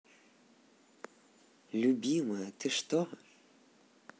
любимая ты что